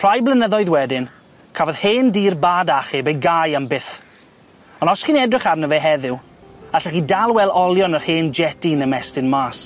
Rhai blynyddoedd wedyn, cafodd hen dir bad achub ei gau am byth, ond os chi'n edrych arno fe heddiw, allwch chi dal wel olion yr hen jetty yn ymestyn mas.